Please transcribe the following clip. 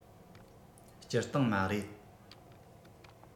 སྤྱིར བཏང མ རེད